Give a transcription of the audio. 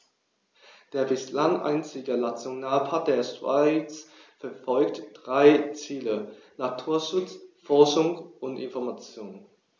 Der bislang einzige Nationalpark der Schweiz verfolgt drei Ziele: Naturschutz, Forschung und Information.